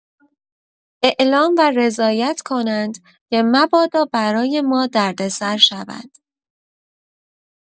اعلام و رضایت کنند که مبادا برای ما دردسر شود.